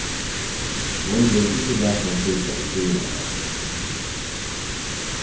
hon vildi ikki lata hann sita við síðurnar av sær